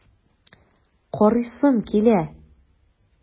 Карыйсым килә!